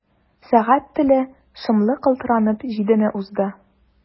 Сәгать теле шомлы калтыранып җидене узды.